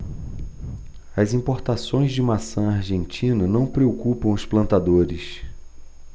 as importações de maçã argentina não preocupam os plantadores